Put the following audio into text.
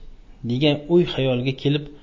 degan uy xayoliga kelib